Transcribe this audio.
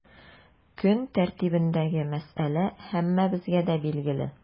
Көн тәртибендәге мәсьәлә һәммәбезгә дә билгеле.